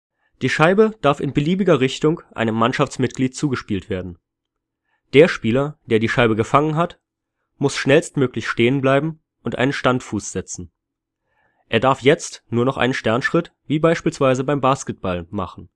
Die Scheibe darf in beliebiger Richtung einem Mannschaftsmitglied zugespielt werden. Der Spieler, der die Scheibe gefangen hat, muss schnellstmöglich stehen bleiben und einen Standfuß setzen. Er darf jetzt nur noch einen Sternschritt wie beispielsweise beim Basketball machen